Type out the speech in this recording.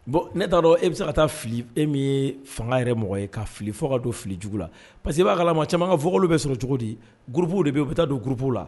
Bon ne t'a dɔn e bɛ se ka taa fili e min ye fanga yɛrɛ mɔgɔ ye ka fili fo kataa don filijugu la parce que i b'a kalama caaman ka focal bɛ sɔrɔ cogo di, grupuw de bɛ yen, u bɛ taa don grupu la.